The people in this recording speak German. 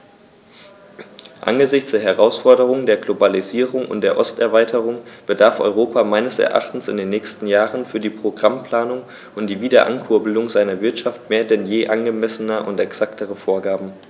Angesichts der Herausforderung der Globalisierung und der Osterweiterung bedarf Europa meines Erachtens in den nächsten Jahren für die Programmplanung und die Wiederankurbelung seiner Wirtschaft mehr denn je angemessener und exakter Vorgaben.